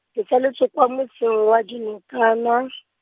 ke tsaletswe kwa motseng wa Dinokana .